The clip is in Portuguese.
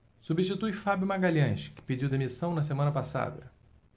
substitui fábio magalhães que pediu demissão na semana passada